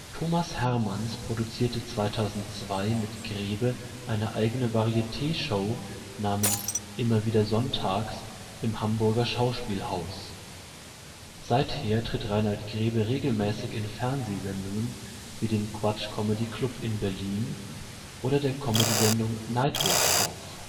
Thomas Hermanns produzierte 2002 mit Grebe eine eigene Varietéshow namens „ Immer wieder Sonntags “im Hamburger Schauspielhaus. Seither tritt Rainald Grebe regelmäßig in Fernsehsendungen wie dem Quatsch Comedy Club in Berlin oder der Comedysendung Nightwash auf